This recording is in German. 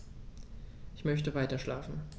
Ich möchte weiterschlafen.